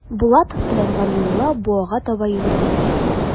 Булатов белән Галиулла буага таба йөгерделәр.